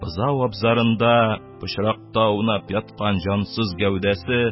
Бозау азбарында пычракта аунап яткан җансыз гәүдәсе